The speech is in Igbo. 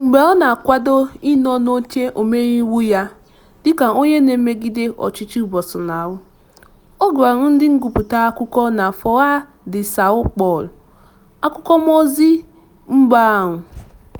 Mgbe ọ na-akwado ịnọ n'oche omeiwu ya dịka onye na-emegide ọchịchị Bolsonaro, ọ gwara ndị ngụpụta akụkọ na Folha de São Paulo, akwụkwọozi mba ahụ: